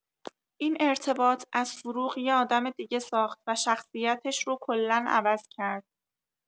این ارتباط، از فروغ یه آدم دیگه ساخت و شخصیتش رو کلا عوض کرد.